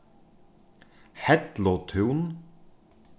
hellutún